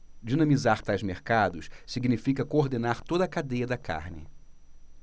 dinamizar tais mercados significa coordenar toda a cadeia da carne